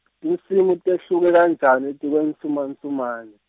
tinsimu tehluke kanjani etikwensumansumane?